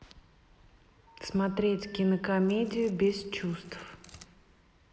смотреть кинокомедию без чувств